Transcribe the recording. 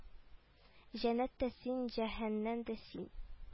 Җәннәт тә син җәһәннәм дә син